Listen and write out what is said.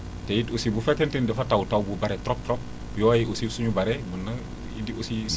te it aussi bu fekkente ne dafa taw taw bu bëri trop trop yoo yi aussi suñu bëree mën na indi aussi